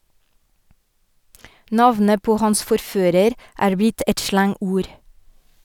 Navnet på hans forfører er blitt et slangord.